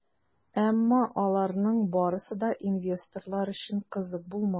Әмма аларның барысы да инвесторлар өчен кызык булмас.